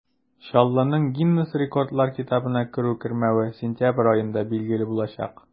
Чаллының Гиннес рекордлар китабына керү-кермәве сентябрь аенда билгеле булачак.